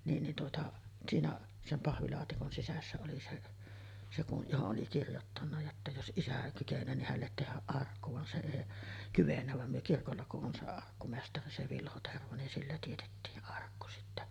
niin niin tuota siinä sen pahvilaatikon sisässä oli se se kun johon oli kirjoittanut jotta jos isä kykenee niin hänelle tehdä arkku vaan se ei kyennyt vaan me kirkolla kun on se arkkumestari se Vilho Tervo niin sillä teetettiin arkku sitten